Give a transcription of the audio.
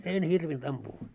en hirvinnyt ampua